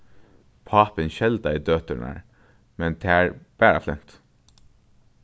pápin skeldaði døturnar men tær bara flentu